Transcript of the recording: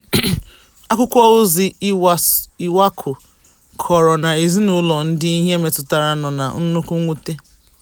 Akwụkwọozi Iwacu kọrọ na ezinaụlọ ndị ihe metụtara nọ na nnukwu mwute.